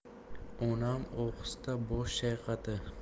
onam ohista bosh chayqadi